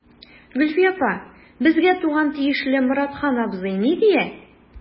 Гөлфия апа, безгә туган тиешле Моратхан абзый ни дия.